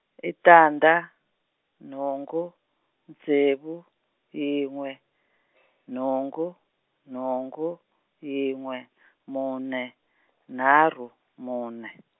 i tandza, nhungu ntsevu yinwe , nhungu nhungu yinwe , mune nharhu mune .